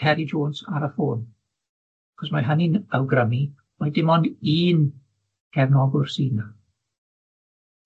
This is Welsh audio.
Ceri Jones ar y ffôn, achos mae hynny'n awgrymu mai dim ond un cefnogwr sydd 'na.